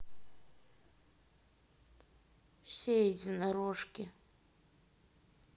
все единорожки